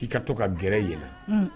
K'i ka to ka gɛrɛ yɛn nan n'.